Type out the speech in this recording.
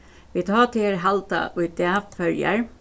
vit hátíðarhalda í dag føroyar